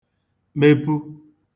mepu